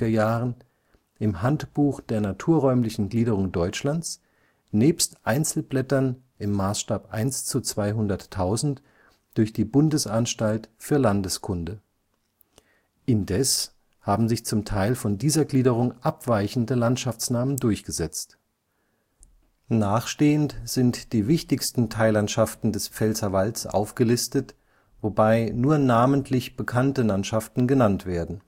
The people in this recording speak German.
Jahren im Handbuch der naturräumlichen Gliederung Deutschlands nebst Einzelblättern 1:200.000 durch die Bundesanstalt für Landeskunde. Indes haben sich zum Teil von dieser Gliederung abweichende Landschaftsnamen durchgesetzt. Nachstehend sind die wichtigsten Teillandschaften mit einer Karte aufgelistet, wobei in der Karte nur namentlich bekannte Landschaften genannt werden